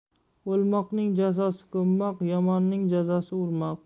o'lmoqning jazosi ko'mmoq yomonning jazosi urmoq